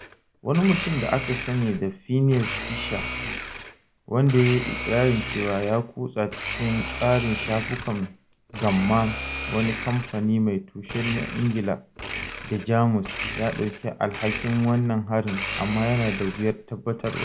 Wani mutum da aka sani da “Phineas Fisher”, wanda ya yi iƙirarin cewa ya kutsa cikin tsarin shafukan Gamma, wani kamfani mai tushe a Ingila da Jamus ya ɗauki alhakin wannan harin, amma yana da wuyar tabbatarwa.